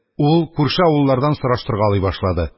Ул күрше авыллардан сораштыргалый башлады.